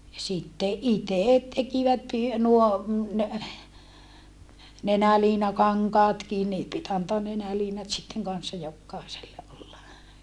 ja sitten itse tekivät - nuo nenäliinakankaatkin niin piti antaa nenäliinat sitten kanssa jokaiselle olla